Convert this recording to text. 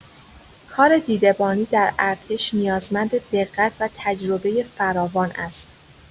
کار دیده‌بانی در ارتش نیازمند دقت و تجربه فراوان است.